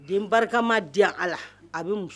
Den barikama diyan Ala a bɛ mus